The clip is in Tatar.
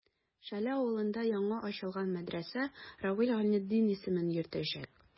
Шәле авылында яңа ачылган мәдрәсә Равил Гайнетдин исемен йөртәчәк.